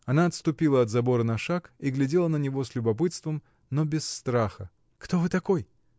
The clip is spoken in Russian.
Она отступила от забора на шаг и глядела на него с любопытством, но без страха. — Кто вы такой?